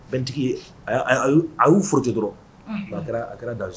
Bɛtigi a y'u foro dɔrɔn kɛra a kɛra da